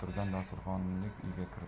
o'tirgan dasturxonlik uyga kirdi